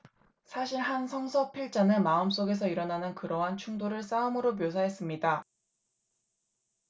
사실 한 성서 필자는 마음속에서 일어나는 그러한 충돌을 싸움으로 묘사했습니다